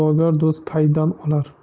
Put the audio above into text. ig'vogar do'st paydan olar